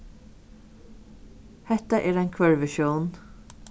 hetta er ein hvørvisjón